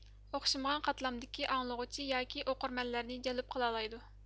ئوخشاشمىغان قاتلامدىكى ئاڭلىغۇچى ياكى ئوقۇرمەنلەرنى جەلپ قىلالايدۇ